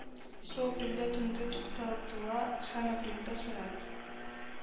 Су апрельдә төнге туктатыла һәм апрельдә сәгать